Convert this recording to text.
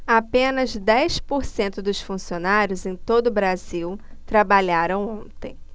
apenas dez por cento dos funcionários em todo brasil trabalharam ontem